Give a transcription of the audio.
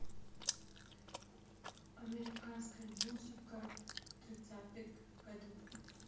американская музыка тридцатых годов